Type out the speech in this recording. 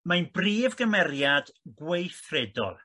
Mae'n brif gymeriad gweithredol